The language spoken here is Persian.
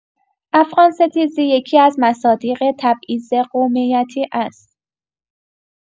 افغان‌ستیزی یکی‌از مصادیق تبعیض قومیتی است؛